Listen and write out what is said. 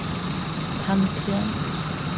tannkrem